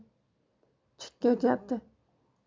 chakka o'tyapti